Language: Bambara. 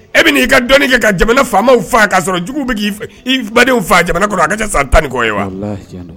E be ni i ka dɔni kɛ ka jamana faamaw faa ka sɔrɔ jugu be k'i fe ii badenw faa jamana kɔnɔ a ka caan san 10 ni kɔ ye wa walahi tiɲɛ do